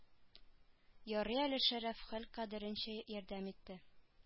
Ярый әле шәрәф хәл кадәренчә ярдәм итте